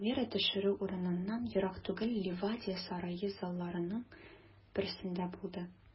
Премьера төшерү урыныннан ерак түгел, Ливадия сарае залларының берсендә булды.